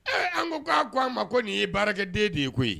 An ko k koa ko a ma ko nin ye baarakɛ den de ye koyi